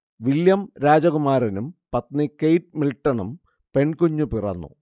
William രാജകുമാരനും പത്നി Kate മിൽടണും പെൺകുഞ്ഞ് പിറന്നു